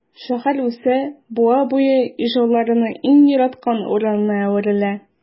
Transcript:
Шәһәр үсә, буа буе ижауларның иң яраткан урынына әверелә.